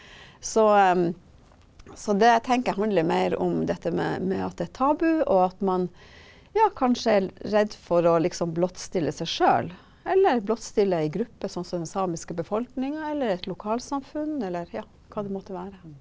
så så det tenker jeg handler mer om dette med med at det er tabu og at man ja kanskje er redd for å liksom blottstille seg sjøl, eller blottstille ei gruppe sånn som den samiske befolkninga, eller et lokalsamfunn, eller ja hva det måtte være.